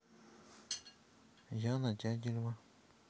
яна дягилева